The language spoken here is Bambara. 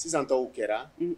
Sisan taw kɛra un